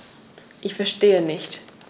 Ich verstehe nicht.